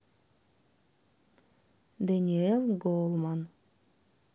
дэниэл гоулман